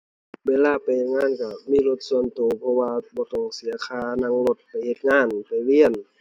เวลาไปงานก็มีรถส่วนก็ เพราะว่าบ่ต้องเสียค่านั่งรถไปเฮ็ดงาน ไปเรียน